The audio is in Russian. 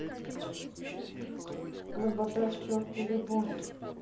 loboda к черту любовь